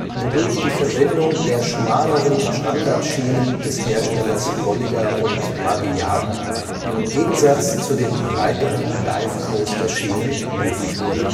wodurch die Verwendung der schmaleren Standardschienen des Herstellers Bolliger & Mabillard im Gegensatz zu den breiteren Dive Coaster-Schienen möglich wurde